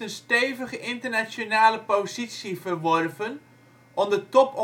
stevige internationale positie verworven onder toponderzoeksinstituten